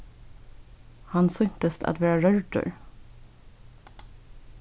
hann sýntist at vera rørdur